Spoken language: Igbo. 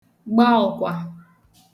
gba ọ̀kwà